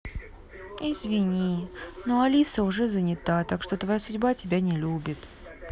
извини но алиса уже занята так что твоя судьба тебя не любит